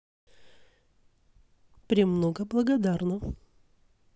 премного благодарна